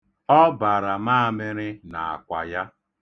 Ọ bara maamịrị n'akwa ya.